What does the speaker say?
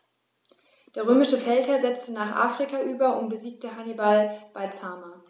Der römische Feldherr setzte nach Afrika über und besiegte Hannibal bei Zama.